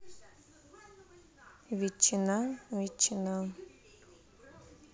ветчина ветчина